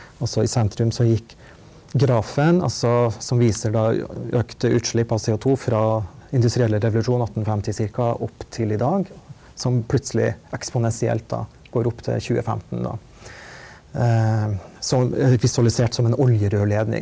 også i sentrum så gikk grafen altså som viser da økte utslipp av CO2 fra industrielle revolusjon 1850 ca. opp til i dag som plutselig eksponentielt da går opp til 2015 da som er visualisert som en oljerørledning.